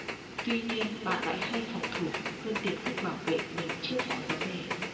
tuy nhiên bạn lại hay phòng thủ và luôn tìm cách bảo vệ mình trước mọi vấn đề